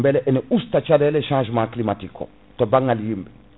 beele ene usta caɗele changement climatique o to banggal yimɓe